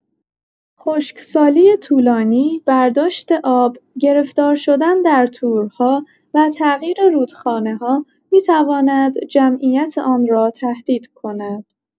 خشکسالی طولانی، برداشت آب، گرفتار شدن در تورها و تغییر رودخانه‌ها می‌تواند جمعیت آن را تهدید کند.